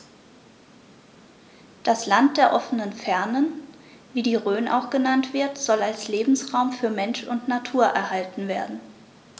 Das „Land der offenen Fernen“, wie die Rhön auch genannt wird, soll als Lebensraum für Mensch und Natur erhalten werden.